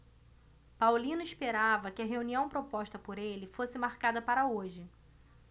paulino esperava que a reunião proposta por ele fosse marcada para hoje